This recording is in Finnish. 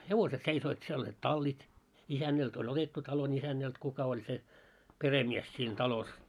hevoset seisoivat siellä olivat tallit isännältä oli otettu talon isännältä kuka oli se perhemies siinä talossa